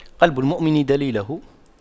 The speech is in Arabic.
قلب المؤمن دليله